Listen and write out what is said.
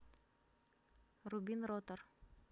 рубин ротор